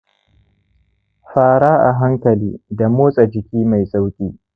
fara a hankali da motsa-jiki mai sauƙi